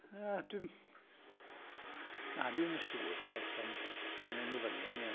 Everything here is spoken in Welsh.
Na, dwi- na dwi ddim yn siŵr chwaith, ond wna i wneud nhw fyny eniwê.